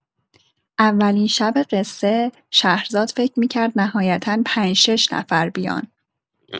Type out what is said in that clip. اولین شب قصه، شهرزاد فکر می‌کرد نهایتا پنج شش نفر بیان.